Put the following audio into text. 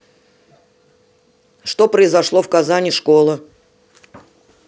что произошло в казани школа